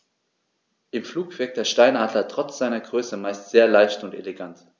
Im Flug wirkt der Steinadler trotz seiner Größe meist sehr leicht und elegant.